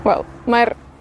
Wel, mae'r,